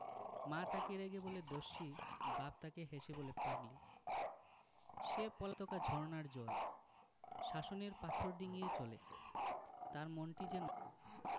মা তাকে রেগে বলে দস্যি বাপ তাকে হেসে বলে পাগলি সে পলাতকা ঝরনার জল শাসনের পাথর ডিঙ্গিয়ে চলে তার মনটি যেন